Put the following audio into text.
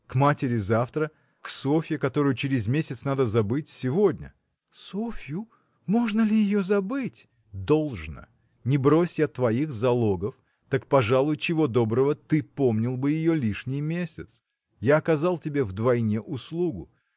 К матери завтра, а к Софье, которую через месяц надо забыть, сегодня. – Софью? можно ли ее забыть? – Должно. Не брось я твоих залогов так пожалуй чего доброго ты помнил бы ее лишний месяц. Я оказал тебе вдвойне услугу.